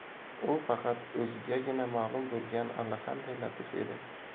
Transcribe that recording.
u faqat o'zigagina ma'lum bo'lgan allaqanday latif edi